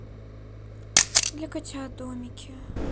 для котят домики